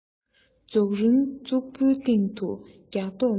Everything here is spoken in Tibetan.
མཛོག རུམ གཙག བུའི སྟེང དུ རྒྱག མདོག མེད